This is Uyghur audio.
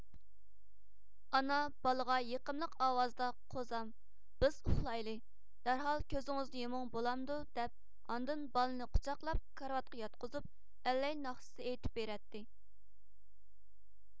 ئانا بالىغا يېقىملىق ئاۋازدا قوزام بىز ئۇخلايلى دەرھال كۆزىڭىزنى يۇمۇڭ بولامدۇ دەپ ئاندىن بالىنى قۇچاقلاپ كارىۋاتقا ياتقۇزۇپ ئەللەي ناخشىسى ئېيتىپ بېرەتتى